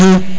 axa